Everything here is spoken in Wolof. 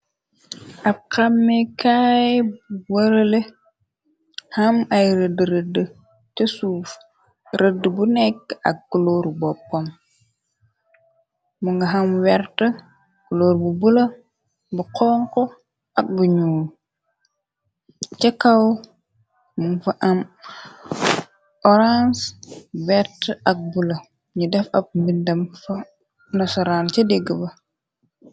Ab xamekaay bu wërale xam ay rëdd rëdd ca suuf rëdd bu nekk ak looru boppam mu nga xam wert kloor bu bula bu xonko ak buñu ca kaw mu fa am orang wert ak bu la ñu def ab mbindam nosoran ca degg ba.